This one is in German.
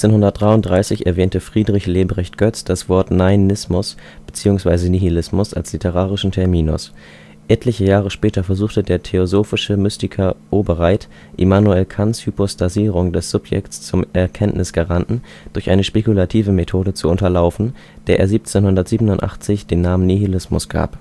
1733 erwähnte Friedrich Lebrecht Goetz das Wort Neinismus beziehungsweise Nihilismus als literarischen Terminus. Etliche Jahre später versuchte der theosophische Mystiker Obereit, Immanuel Kants Hypostasierung des Subjektes zum Erkenntnisgaranten durch eine spekulative Methode zu unterlaufen, der er 1787 den Namen Nihilismus gab